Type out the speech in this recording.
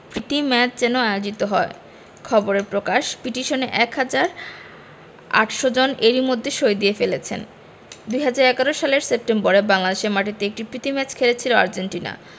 প্রীতি match যেন আয়োজিত হয় খবরে প্রকাশ পিটিশনে ১ হাজার ৮০০ জন এরই মধ্যে সই দিয়ে ফেলেছেন ২০১১ সালের সেপ্টেম্বরে বাংলাদেশের মাটিতে একটি প্রীতি ম্যাচ খেলেছিল আর্জেন্টিনা